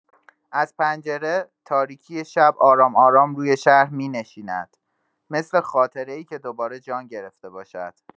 از پنجره، تاریکی شب آرام‌آرام روی شهر می‌نشیند، مثل خاطره‌ای که دوباره جان گرفته باشد.